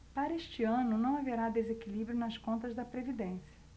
para este ano não haverá desequilíbrio nas contas da previdência